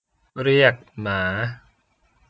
เรียกหมา